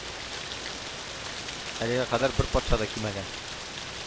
Әлегә кадәр бер патша да кимәгән,